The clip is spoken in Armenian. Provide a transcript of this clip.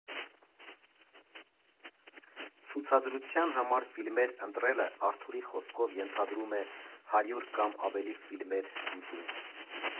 Ցուցադրության համար ֆիլմեր ընտրելը, Արթուրի խոսքով, ենթադրում է հարյուր կամ ավելի ֆիլմեր դիտում։